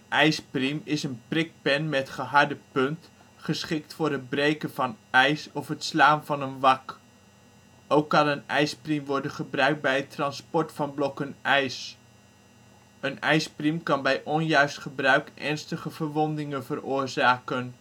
ijspriem is een prikpen met geharde punt, geschikt voor het breken van ijs of het slaan van een wak. Ook kan een ijspriem worden gebruikt bij het transport van blokken ijs. Een ijspriem kan bij onjuist gebruik ernstige verwondingen veroorzaken